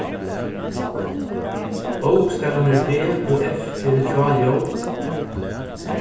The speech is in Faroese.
bókstavirnir b og f eru hjáljóð